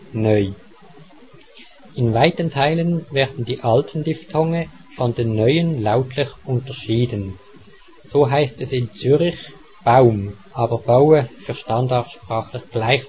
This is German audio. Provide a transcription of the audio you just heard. nöi). In weiten Teilen werden die alten Diphthonge von den neuen lautlich unterschieden. So heißt es in Zürich: Baum, aber boue für standardsprachlich gleich